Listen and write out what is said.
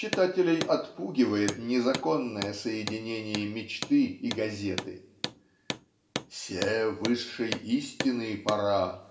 -- читателей отпугивает незаконное соединение мечты и газеты. "Се высшей истины пора"